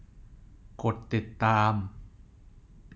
กดติดตาม